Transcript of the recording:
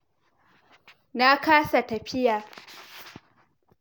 Na kasa tafiya.